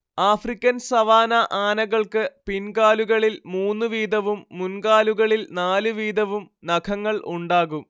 African savanna ആനകൾക്ക് പിൻ‌കാലുകളിൽ മൂന്നു വീതവും മുൻ‌കാലുകളിൽ നാലു വീതവും നഖങ്ങൾ ഉണ്ടാകും